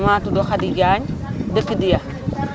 maa tudd Khady Diagne dëkk Dya